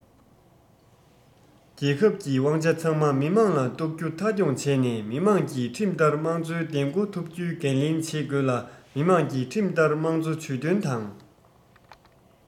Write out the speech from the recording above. རྒྱལ ཁབ ཀྱི དབང ཆ ཚང མ མི དམངས ལ གཏོགས རྒྱུ མཐའ འཁྱོངས བྱས ནས མི དམངས ཀྱིས ཁྲིམས ལྟར དམངས གཙོ འདེམས བསྐོ ཐུབ རྒྱུའི འགན ལེན བྱེད དགོས ལ མི དམངས ཀྱིས ཁྲིམས ལྟར དམངས གཙོ ཇུས འདོན དང